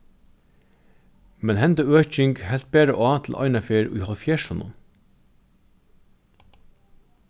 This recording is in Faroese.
men henda øking helt bara á til einaferð í hálvfjerðsunum